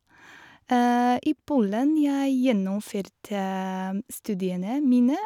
I Polen jeg gjennomførte studiene mine.